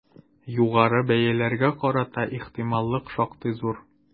Югары бәяләргә карата ихтималлык шактый зур.